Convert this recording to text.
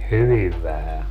hyvin vähän